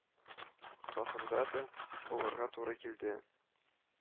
Сафында да булырга туры килде